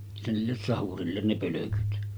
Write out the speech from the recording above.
se niille sahurille ne pölkyt